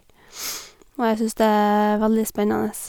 Og jeg syns det er veldig spennende.